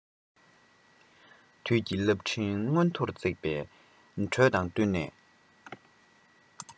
དུས ཀྱི རླབས ཕྲེང མངོན མཐོར བརྩེགས པའི འགྲོས དང བསྟུན ནས